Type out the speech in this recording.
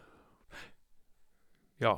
Ja.